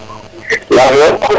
na fio